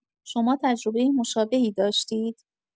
شما تجربۀ مشابهی داشتید؟